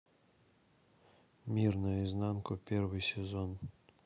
мир наизнанку первый сезон